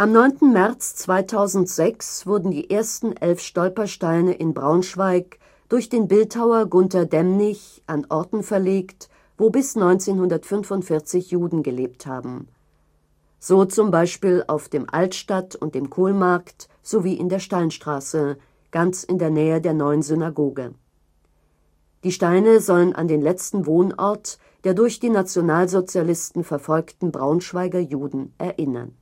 9. März 2006 wurden die ersten elf „ Stolpersteine “in Braunschweig durch den Bildhauer Gunter Demnig an Orten verlegt, wo bis 1945 Juden gelebt haben. So z. B. auf dem Altstadt - und dem Kohlmarkt sowie in der Steinstraße, ganz in der Nähe der neuen Synagoge. Die Steine sollen an den letzten Wohnort der durch die Nationalsozialisten verfolgten Braunschweiger Juden erinnern